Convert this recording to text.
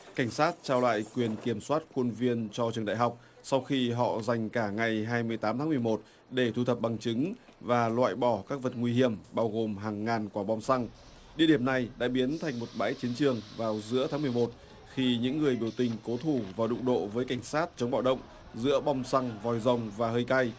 cảnh sát trao lại quyền kiểm soát khuôn viên cho trường đại học sau khi họ dành cả ngày hai mươi tám tháng mười một để thu thập bằng chứng và loại bỏ các vật nguy hiểm bao gồm hàng ngàn quả bom xăng địa điểm này đã biến thành một bãi chiến trường vào giữa tháng mười một khi những người biểu tình cố thủ và đụng độ với cảnh sát chống bạo động giữa bom xăng vòi rồng và hơi cay